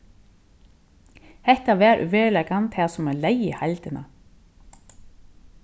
hetta var í veruleikan tað sum oyðilegði heildina